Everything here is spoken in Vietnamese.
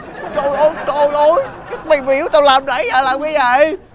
trời ơi trời ơi thế mày biểu tao làm nãy giờ làm cái gì